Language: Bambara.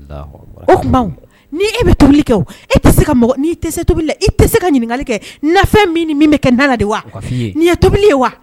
O e tobili kɛ tɛ se i tɛ se ka ɲininka kɛ min ni min bɛ kɛ da la de wa tobili ye wa